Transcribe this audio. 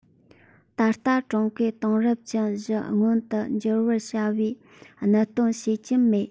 ད ལྟ ཀྲུང གོས དེང རབས ཅན བཞི མངོན དུ འགྱུར བར བྱ བའི གནད དོན བྱེད གྱིན མེད